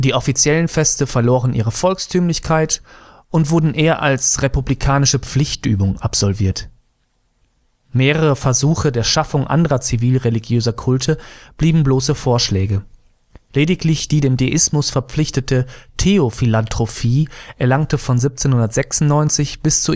offiziellen Feste verloren ihre Volkstümlichkeit und wurden eher als republikanische Pflichtübung absolviert. Mehrere Versuche der Schaffung anderer zivilreligiöser Kulte blieben bloße Vorschläge, lediglich die dem Deismus verpflichtete Theophilanthropie erlangte von 1796 bis